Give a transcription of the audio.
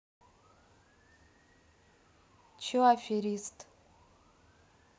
че аферист